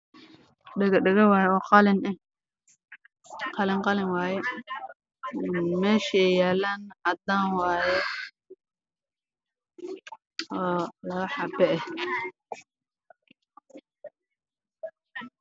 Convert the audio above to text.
Waa loo jijjiimood oo kaleerkooda yahay waxayna saaranyihiin meel caddeys ah